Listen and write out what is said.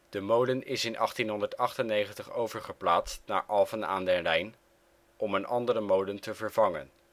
De molen is in 1898 overgeplaatst naar Alphen aan den Rijn om een andere molen te vervangen